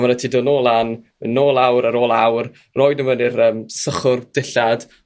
a wedyn ti'n dod nôl lan yn nôl lawr ar ôl awr roid n'w fewn i'r sychwr dillad